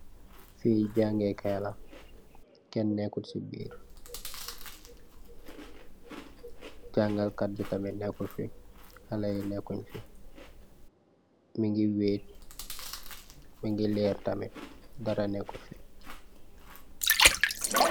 Fee jangeh kaii lah, ken nekut si birr. Jangal kat b tamit b nekut fi. Haleh yee naekunj fi. Munge wait, munge Lerr tamit, daara nekut fi